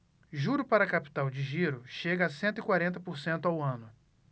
juro para capital de giro chega a cento e quarenta por cento ao ano